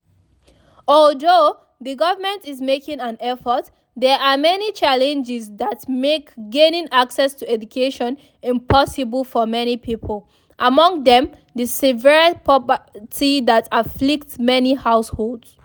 Although the government is making an effort, there are many challenges that make gaining access to education impossible for many people, among them the severe poverty that afflicts many households.